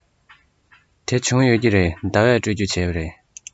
དེ བྱུང ཡོད ཀྱི རེད ཟླ བས སྤྲོད རྒྱུ བྱས པ རེད